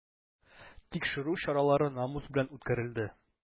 Тикшерү чаралары намус белән үткәрелде.